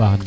tabax